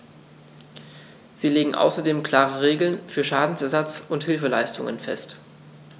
Sie legt außerdem klare Regeln für Schadenersatz und Hilfeleistung fest.